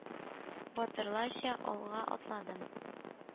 Батырларча алга атладым.